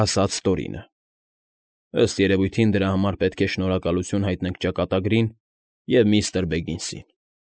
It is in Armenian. Ասաց Տորինը։֊ Ըստ երևույթին դրա համար պետք է շնորհակալություն հայտնենք ճակատագրին և միստր Բեգինսին։